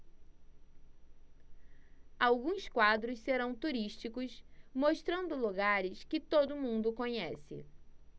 alguns quadros serão turísticos mostrando lugares que todo mundo conhece